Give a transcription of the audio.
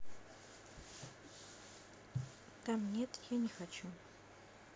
там нет я не хочу